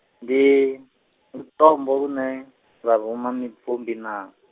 ndi, lutombo lune, lwa ruma mibvumbi naa?